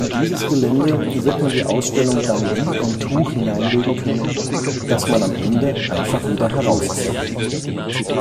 dieses Gelände wird man die Ausstellung dann wie ein Tuch hineinlegen können, das man am Ende einfach wieder herauszieht. “Die